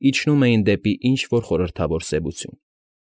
Իջնում էր դեպի ինչ֊որ խորհրդավոր սևություն։